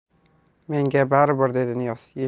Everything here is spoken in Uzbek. menga bari bir dedi